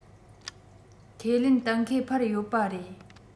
ཁས ལེན གཏན འཁེལ འཕར ཡོད པ རེད